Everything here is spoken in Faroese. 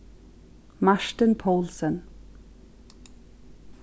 martin poulsen